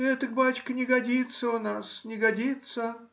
— Этак, бачка, не годится у нас, не годится.